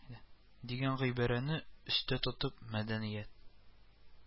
Дигән гыйбарәне истә тотып, мәдәният